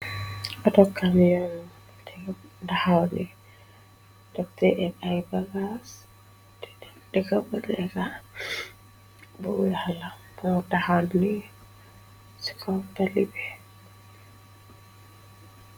atokamyon dega daxawni dope ay bagas edekaboleka bowoala bo daxani ccobalibe